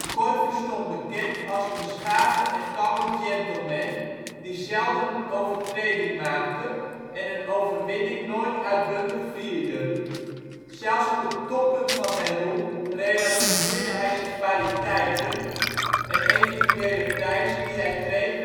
Korver stond bekend als een beschaafde en kalme gentleman, die zelden een overtreding maakte en een overwinning nooit uitbundig vierde. Zelfs op het toppunt van zijn roem relativeerde hij zijn kwaliteiten, en eventuele prijzen die hij kreeg